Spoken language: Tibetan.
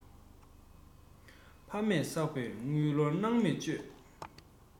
ཕ མས བསགས པའི དངུལ ལོར སྣང མེད སྤྱོད